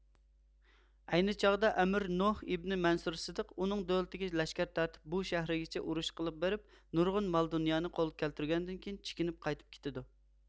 ئەينى چاغدا ئەمىر نوھ ئىبنى مەنسۇر سىدىق ئۇنىڭ دۆلىتىگە لەشكەر تارتىپ بۇ شەھىرىگىچە ئۇرۇش قىلىپ بېرىپ نۇرغۇن مال دۇنيانى قولغا كەلتۈرگەندىن كېيىن چېكىنىپ قايتىپ كېتىدۇ